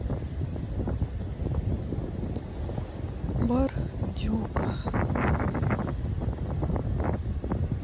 бар дюка